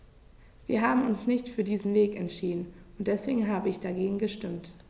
Wir haben uns nicht für diesen Weg entschieden, und deswegen habe ich dagegen gestimmt.